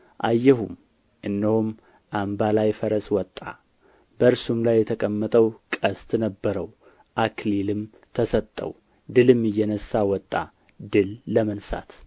አየሁም እነሆም አምባላይ ፈረስ ወጣ በእርሱም ላይ የተቀመጠው ቀስት ነበረው አክሊልም ተሰጠው ድልም እየነሣ ወጣ ድል ለመንሣት